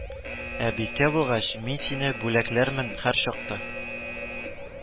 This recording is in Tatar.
Ә бикә булгач, мин сине Бүләкләрмен һәр чакта